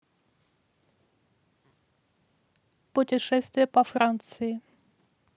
путешествие по франции